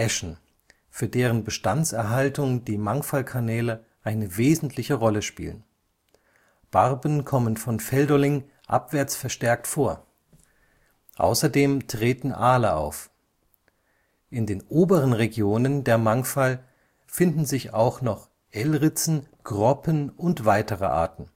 Äschen, für deren Bestandserhaltung die Mangfallkanäle eine wesentliche Rolle spielen. Barben kommen von Feldolling abwärts verstärkt vor. Außerdem treten Aale auf. In den oberen Regionen der Mangfall finden sich auch noch Elritzen, Groppen und weitere Arten